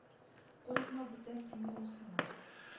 Курыкма бүтән тими ул сиңа